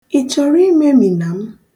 Ị chọrọ imemina m?